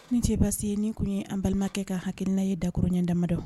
Nin cɛ basi ye nin tun ye an balimakɛ ka hakilla ye dakya damadɔ